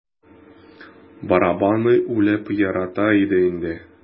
Барабанны үлеп ярата иде инде.